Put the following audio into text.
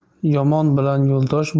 yomon bilan yo'ldosh